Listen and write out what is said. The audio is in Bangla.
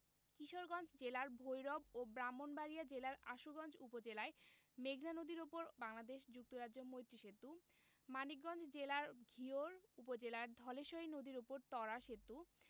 কিশোরগঞ্জ জেলার ভৈরব ও ব্রাহ্মণবাড়িয়া জেলার আশুগঞ্জ উপজেলায় মেঘনা নদীর উপর বাংলাদেশ যুক্তরাজ্য মৈত্রী সেতু মানিকগঞ্জ জেলার ঘিওর উপজেলায় ধলেশ্বরী নদীর উপর ত্বরা সেতু